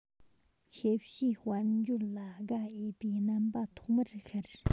ཤེས བྱའི དཔལ འབྱོར ལ དགའ འོས པའི རྣམ པ ཐོག མར ཤར